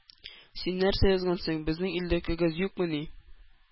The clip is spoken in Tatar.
— син нәрсәгә язгансың! безнең илдә кәгазь юкмыни? —